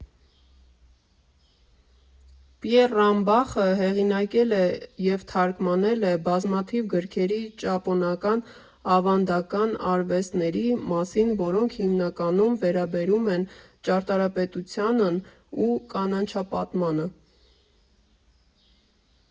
Պիեռ Ռամբախը հեղինակել և թարգմանել է բազմաթիվ գրքեր ճապոնական ավանդական արվեստների մասին, որոնք հիմնականում վերաբերում են ճարտարապետությանն ու կանաչապատմանը։